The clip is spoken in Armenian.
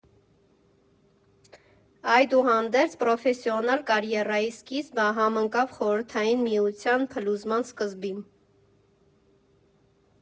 Այդուհանդերձ պրոֆեսիոնալ կարիերայիս սկիզբը համընկավ Խորհրդային Միության փլուզման սկզբին։